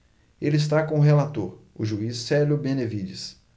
ele está com o relator o juiz célio benevides